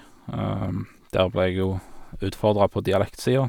Der ble jeg jo utfordra på dialekt-sia.